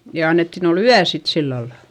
ja annettiin olla yö sitten sillä lailla